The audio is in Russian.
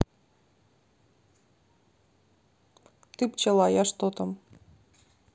ты пчела я что там